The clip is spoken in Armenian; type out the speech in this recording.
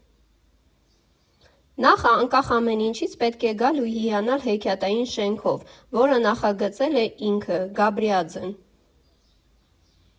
Նախ՝ անկախ ամեն ինչից պետք է գալ ու հիանալ հեքիաթային շենքով, որը նախագծել է ինքը՝ Գաբրիաձեն։